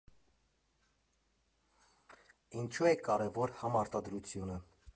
Ինչու է կարևոր համարտադրությունը։